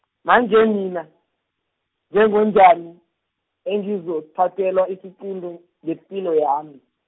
manje mina, njengonjani, engizothathelwa isiqunto, ngempilo yami.